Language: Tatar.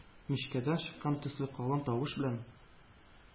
Мичкәдән чыккан төсле калын тавыш белән: